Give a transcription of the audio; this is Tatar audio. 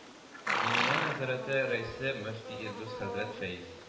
Диния нәзарәте рәисе, мөфти Илдус хәзрәт Фәиз